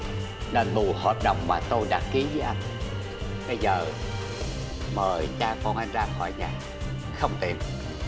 đền bù hợp đồng mà tôi đã kí với anh bây giờ mời cha con anh ra khỏi nhà không tiễn